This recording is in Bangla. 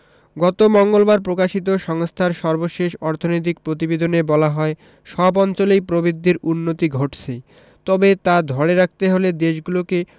গত মঙ্গলবার প্রকাশিত সংস্থার সর্বশেষ অর্থনৈতিক প্রতিবেদনে বলা হয় সব অঞ্চলেই প্রবৃদ্ধির উন্নতি ঘটছে তবে তা ধরে রাখতে হলে দেশগুলোকে